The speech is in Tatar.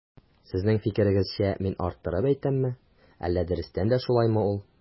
Сезнең фикерегезчә мин арттырып әйтәмме, әллә дөрестән дә шулаймы ул?